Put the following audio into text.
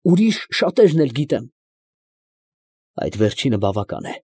Ուրիշ շատերն էլ գիտեմ։ ֊ Այդ վերջինը բավական է։